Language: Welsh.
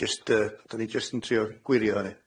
Jyst yy 'dan ni jyst yn trio gwirio hynny.